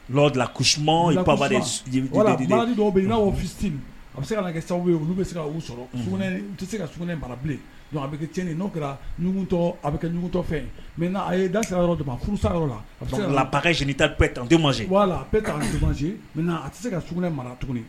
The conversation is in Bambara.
Dɔw n' a bɛ se ka sababu ye olu bɛ seu sɔrɔ tɛ se ka s mara bilen a bɛ kɛ tiɲɛn'o kɛra a bɛ kɛtɔ fɛ mɛ a ye da sira yɔrɔ jumɛn furu sarayɔrɔ la tan a tɛ se ka surun mara tuguni